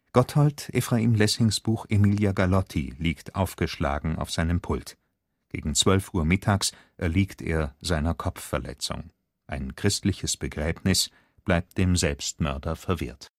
Gotthold Ephraim Lessings Buch „ Emilia Galotti “liegt aufgeschlagen auf seinem Pult. Gegen zwölf Uhr mittags erliegt er seiner Kopfverletzung. Ein christliches Begräbnis bleibt dem Selbstmörder verwehrt